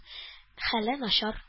Хәле начар